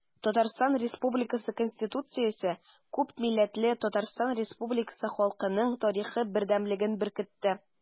Татарстан Республикасы Конституциясе күпмилләтле Татарстан Республикасы халкының тарихы бердәмлеген беркетте.